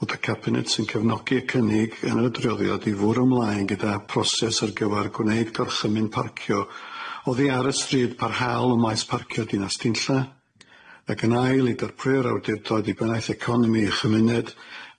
odd y cabinet sy'n cefnogi y cynnig yn y drioddiad i fwrw ymlaen gyda proses ar gyfar gwneud gorchymyn parcio oddi ar y stryd barhaol ym maes parcio Dinas Dinlla ac yn ail i darpwyr awdurdod i benaeth economi y chymuned